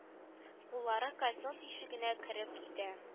Куллары кальсон тишегенә кереп китә